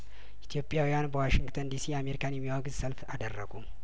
ኢትዮጵያውያን በዋሽንግተን ዲሲ አሜሪካን የሚያወግዝ ሰልፍ አደረጉ